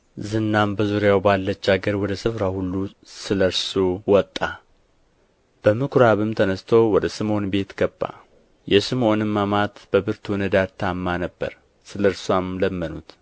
ዝናም በዙሪያው ባለች አገር ወደ ስፍራው ሁሉ ስለ እርሱ ወጣ በምኵራብም ተነሥቶ ወደ ስምዖን ቤት ገባ የስምዖንም አማት በብርቱ ንዳድ ታማ ነበር ስለ እርስዋም ለመኑት